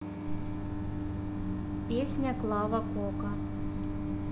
песня клава кока